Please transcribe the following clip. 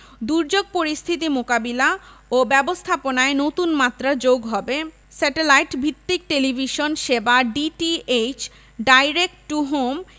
দুর্যোগ পরিস্থিতি মোকাবিলা ও ব্যবস্থাপনায় নতুন মাত্রা যোগ হবে স্যাটেলাইটভিত্তিক টেলিভিশন সেবা ডিটিএইচ ডাইরেক্ট টু হোম